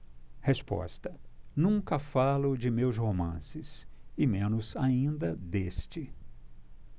resposta nunca falo de meus romances e menos ainda deste